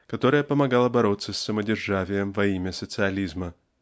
которая помогала бороться с самодержавием во имя социализма